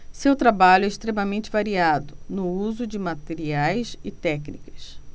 seu trabalho é extremamente variado no uso de materiais e técnicas